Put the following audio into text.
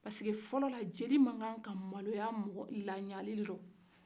parce que fɔlɔ la jeli ma kan maloya laɲali la